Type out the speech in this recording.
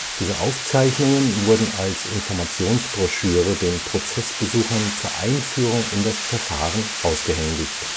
Diese Aufzeichnungen wurden als Informationsbroschüre den Prozessbesuchern zur Einführung in das Verfahren ausgehändigt